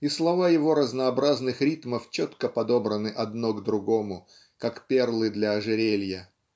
и слова его разнообразных ритмов четко подобраны одно к другому как перлы для ожерелья.